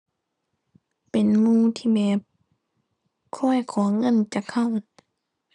เป็นหมู่ที่แบบคอยขอเงินจากเรา